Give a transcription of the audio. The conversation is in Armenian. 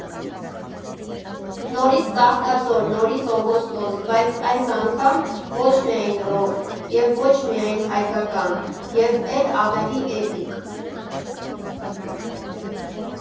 Նորից Ծաղկաձոր, նորից օգոստոս, բայց այս անգամ ոչ միայն ռոք (և ոչ միայն հայկական) և էլ ավելի էպիկ։